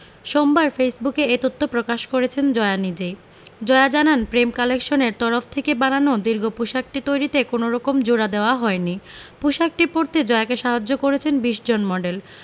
সোমবার ফেসবুকে এ তথ্য দিয়েছেন জয়া নিজেই জয়া জানান প্রেম কালেকশন এর তরফ থেকে বানানো দীর্ঘ পোশাকটি তৈরিতে কোনো রকম জোড়া দেওয়া হয়নি পোশাকটি পরতে জয়াকে সাহায্য করেছেন ২০ জন মডেল